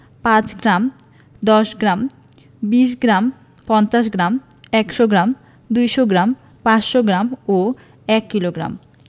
৫ gram ১০গ্ৰাম ২০ gram ৫০ gram ১০০ gram ২০০ gram ৫০০ gram ও ১ kilogram